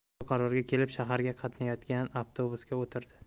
shu qarorga kelib shaharga qatnaydigan avtobusga o'tirdi